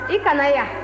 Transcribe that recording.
i ka na yan